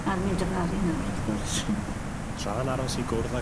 A fi'n difaru nawr wrth gwrs. Hmm. Tra'n aros i gwrdd â...